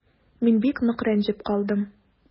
Мин бик нык рәнҗеп калдым.